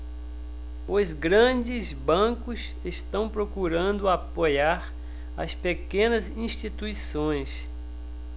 os grandes bancos estão procurando apoiar as pequenas instituições